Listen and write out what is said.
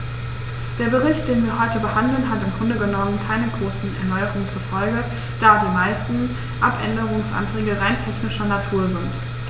Der Bericht, den wir heute behandeln, hat im Grunde genommen keine großen Erneuerungen zur Folge, da die meisten Abänderungsanträge rein technischer Natur sind.